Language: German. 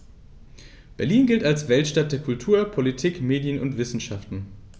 Berlin gilt als Weltstadt der Kultur, Politik, Medien und Wissenschaften.